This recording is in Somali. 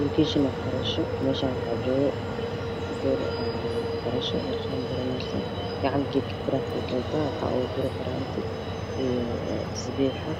Goop wax parasho meshaanw waxa jooga gapar harqaaan paraneezo gacn geedka wax ciraha ugu jiro waxaa ugu jiri faranti iyo taspiixa